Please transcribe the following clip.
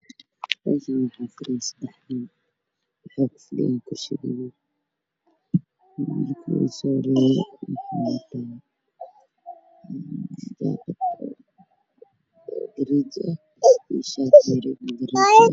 Meeshaan waa hool waxaa fadhiya saddexdan waxay ku fadhiyaan kuraas gudoodan kan u saaray wax wataa shaati ah